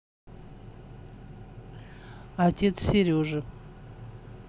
отец сережи